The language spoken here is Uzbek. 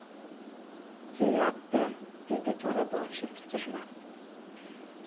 kelyapti dedi jo'raboshi pichirlab